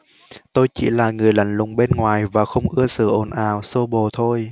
tôi chỉ là người lạnh lùng bên ngoài và không ưa sự ồn ào xô bồ thôi